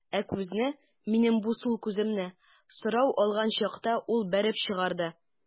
Ә күзне, минем бу сул күземне, сорау алган чакта ул бәреп чыгарды.